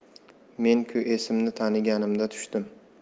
men ku esimni taniganimda tushdim